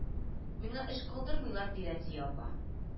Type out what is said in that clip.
Миңа эш калдырмыйлар ди рәмзия апа